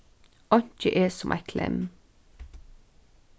einki er sum eitt klemm